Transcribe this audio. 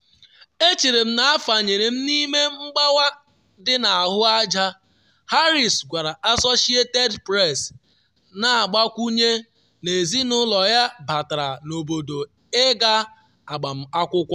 Echere m na afanyere m n’ime mgbawa dị n’ahụ aja, Harris gwara Associated Press, na-agbakwunye n’ezinụlọ ya batara n’obodo ịga agbamakwụkwọ.